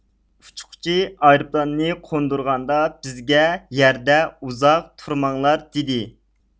ئۇچقۇچى ئايروپىلاننى قوندۇرغاندا بىزگە يەردە ئۇزاق تۇرماڭلار دېدى